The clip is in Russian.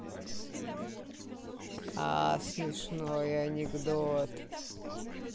а смешной анекдот